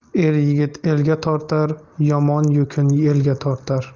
er yigit elga tortar yomon yukin elga ortar